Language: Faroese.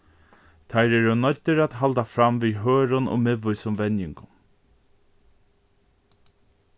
teir eru noyddir at halda fram við hørðum og miðvísum venjingum